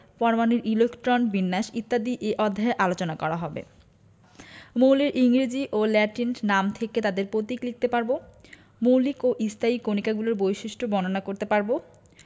পরমাণুর ইলেকট্রন বিন্যাস ইত্যাদি এ অধ্যায়ে আলোচনা করা হবে মৌলের ইংরেজি ও ল্যাটিন্ট নাম থেকে তাদের প্রতীক লিখতে পারব মৌলিক ও স্থায়ী কণিকাগুলোর বৈশিষ্ট্য বর্ণনা করতে পারব